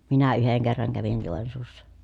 minä yhden kerran kävin Joensuussa